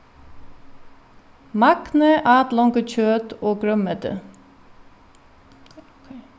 magni át longu kjøt og grønmeti